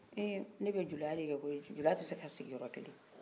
eh ne bɛ julaya de kɛ koyi jula tɛ se ka sigin yɔrɔ kelen